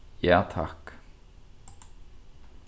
ja takk